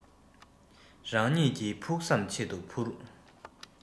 རང ཉིད ཀྱི ཕུགས བསམ ཆེད དུ འཕུར